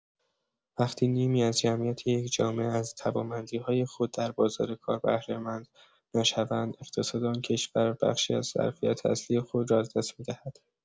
وقتی نیمی از جمعیت یک جامعه از توانمندی‌های خود در بازار کار بهره‌مند نشوند، اقتصاد آن کشور بخشی از ظرفیت اصلی خود را از دست می‌دهد.